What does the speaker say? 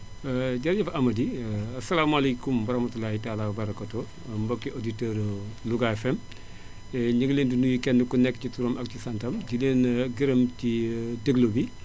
jërëjëf Amady asalaamaaleykum wa raxmatulaaxi taalaa wa barakaatuxóo mbokki auditeurs Louga FM ñi ngi leen di nuyu kenn ku ci nekk ci turam ak ci santam di leen gërëm ci déglu bi